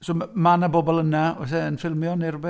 So m- ma' 'na bobl yna, oes e, yn ffilmio neu rywbeth?